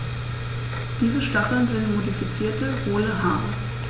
Diese Stacheln sind modifizierte, hohle Haare.